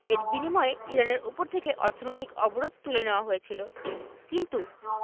এর বিনিময়ে ইরানের ওপর থেকে অর্থনৈতিক অবরোধ তুলে নেওয়া হয়েছিল কিন্তু